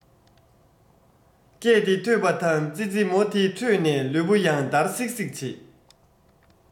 སྐད དེ ཐོས པ དང ཙི ཙི མོ དེ ཁྲོས ནས ལུས པོ ཡང འདར སིག སིག བྱེད